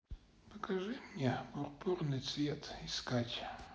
покажи мне пурпурный цвет искать